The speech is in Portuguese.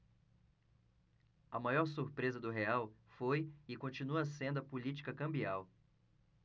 a maior surpresa do real foi e continua sendo a política cambial